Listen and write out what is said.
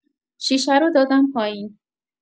شیشه رو دادم پایین